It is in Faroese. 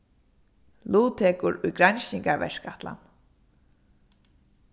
luttekur í granskingarverkætlan